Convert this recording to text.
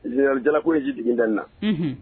Général Jala ko in si digi ne tɛ ne na.